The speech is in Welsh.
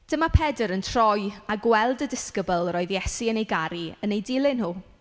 Dyma Pedr yn troi a gweld y disgybl roedd Iesu yn ei garu yn eu dilyn nhw.